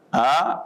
A